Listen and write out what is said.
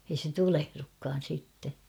ei se tulehdukaan sitten